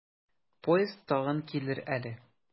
Поезд тагын килер әле.